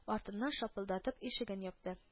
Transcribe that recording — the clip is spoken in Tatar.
Артыннан шапылдатып ишеген япты